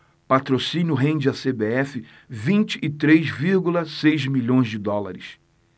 patrocínio rende à cbf vinte e três vírgula seis milhões de dólares